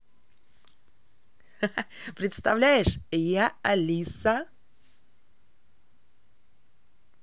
представляешь я алиса